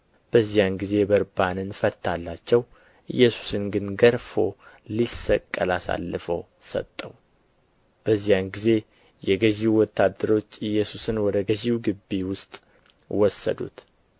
በዚያን ጊዜ በርባንን ፈታላቸው ኢየሱስን ግን ገርፎ ሊሰቀል አሳልፎ ሰጠ በዚያን ጊዜ የገዢው ወታደሮች ኢየሱስን ወደ ገዢው ግቢ ውስጥ ወሰዱት